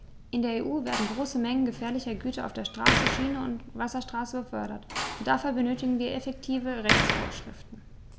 In der EU werden große Mengen gefährlicher Güter auf der Straße, Schiene und Wasserstraße befördert, und dafür benötigen wir effektive Rechtsvorschriften.